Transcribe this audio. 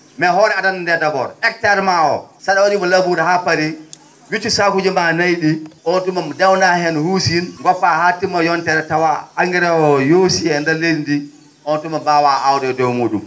mais hoore adana nde kam d' abord hectare ma o sa?a wa?imo labouré haa parii wiccu saakuuji ma nayi ?i on tuma dewna heen huusin goppaa haa timma yontere tawa engrais o yoosii e ndeer leydi ndii on tuma mbaawaa aawde e dow muu?um